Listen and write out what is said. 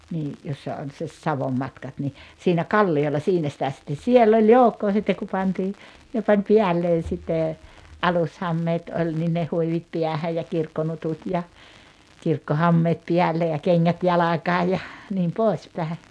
niin jossa on se Savonmatkat niin siinä kalliolla siinä sitä sitten siellä oli joukkoa sitten kun pantiin he pani päälleen sitten alushameet oli niin ne huivit päähän ja kirkkonutut ja kirkkohameet päälle ja kengät jalkaan ja niin pois päin